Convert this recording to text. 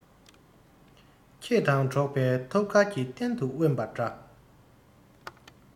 ཁྱེད དང འགྲོགས པའི ཐོབ སྐལ གྱིས གཏན དུ དབེན པ འདྲ